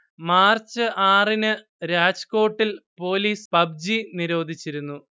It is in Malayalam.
മാർച്ച് ആറിന് രാജ്കോട്ടിൽ പൊലീസ് പബ്ജി നിരോധിച്ചിരുന്നു